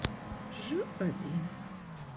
ж один